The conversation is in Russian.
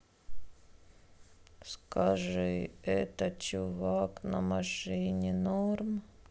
скажи этот чувак на машине норм